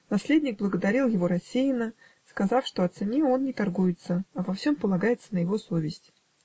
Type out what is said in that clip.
Наследник благодарил его рассеянно, сказав, что о цене он не торгуется, а во всем полагается на его совесть.